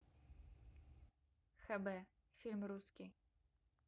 хб фильм русский